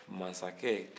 maskɛ